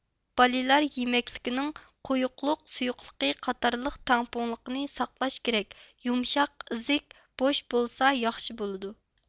بالىلار يېمەكلىكنىڭ قويۇقلۇق سۇيۇقلۇقى قاتارلىق تەڭپۇڭلۇقىنى ساقلاش كېرەك يۇمشاق ئىزىك بوش بولسا ياخشى بولىدۇ